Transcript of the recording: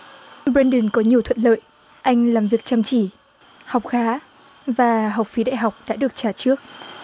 bơn đừn có nhiều thuận lợi anh làm việc chăm chỉ học khá và học phí đại học đã được trả trước